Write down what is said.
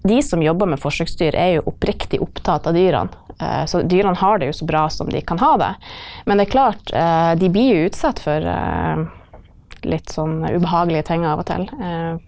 de som jobber med forsøksdyr er jo oppriktig opptatt av dyra, så dyra har det jo så bra som de kan ha det, men det er klart de blir jo utsatt for litt sånn ubehagelige ting av og til .